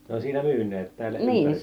ne on siinä myyneet täällä ympäri